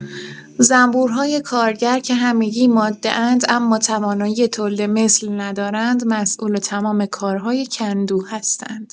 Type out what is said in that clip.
زنبورهای کارگر که همگی ماده‌اند اما توانایی تولیدمثل ندارند، مسئول تمام کارهای کندو هستند.